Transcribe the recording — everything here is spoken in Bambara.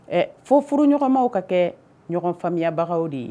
Ɛ fo furu ɲɔgɔnma ka kɛ ɲɔgɔn faamuyayabagaw de ye